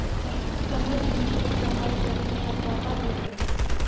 Башкортстанда игенчелек тармагы табигый шартларга бәйле.